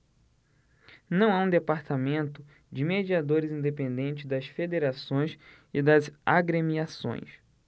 não há um departamento de mediadores independente das federações e das agremiações